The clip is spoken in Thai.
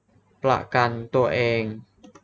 ประกันตัวเอง